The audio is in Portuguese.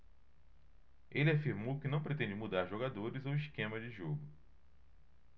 ele afirmou que não pretende mudar jogadores ou esquema de jogo